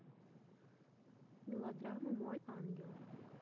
мелодрама мой ангел